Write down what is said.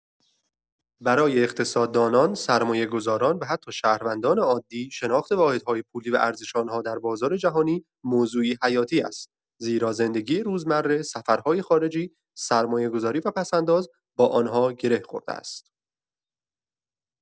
برای اقتصاددانان، سرمایه‌گذاران و حتی شهروندان عادی، شناخت واحدهای پولی و ارزش آن‌ها در بازار جهانی موضوعی حیاتی است، زیرا زندگی روزمره، سفرهای خارجی، سرمایه‌گذاری و پس‌انداز با آن‌ها گره خورده است.